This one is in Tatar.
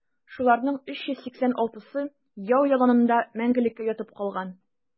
Шуларның 386-сы яу яланында мәңгелеккә ятып калган.